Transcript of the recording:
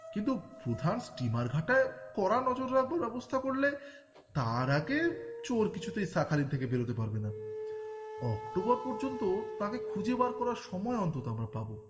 কিন্তু প্রধান স্টিমার ঘাটায় কড়া নজর রাখবার ব্যবস্থা করলে তার আগে চোর কিছুতেই শাখালিন থেকে বেরুতে পারবে না অক্টোবর পর্যন্ত তাকে খুঁজে বার করার সময় অন্তত আমরা পাব